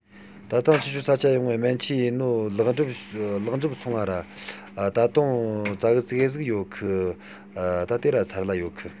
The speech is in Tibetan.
ད ཐེངས ཁྱེད ཆོ ས ཆ ཡོང ངས སྨན བཅོས ཡེད རྒྱུའོ ལས འགན འགྟུབ སོང ང ར ད རུང ཙ གེ ཙི གེ ཟིག ལས རྒྱུ ཡོད གི ར དེ ར ཚར ལ ཡོད གི